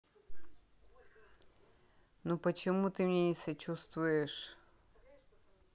ну почему ты мне не сочувствуешь